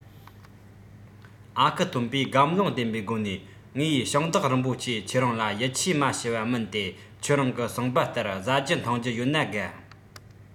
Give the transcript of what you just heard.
ཨ ཁུ སྟོན པས སྒམ བརླིང ལྡན པའི སྒོ ནས ངས ཞིང བདག རིན པོ ཆེ ཁྱེད རང ལ ཡིད ཆེས མ ཞུ བ མིན ཏེ ཁྱེད རང གིས གསུངས པ ལྟར བཟའ རྒྱུ འཐུང རྒྱུ ཡོད ན དགའ